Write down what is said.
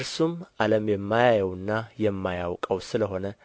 እርሱም ዓለም የማያየውና የማያውቀው ስለ ሆነ